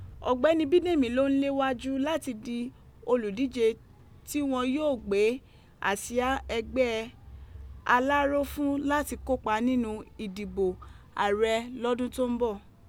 Ọgbẹni Bídèmí lo n lewaju lati di oludije ti wọn yoo gbe aṣia ẹgbẹ Aláró fun lati kopa ninu idibo aarẹ lọdun to n bọ.